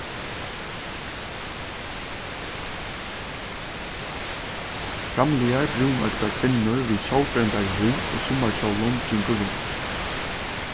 framligar brúnoygdar kvinnur við sólbrendari húð og summarkjólum gingu runt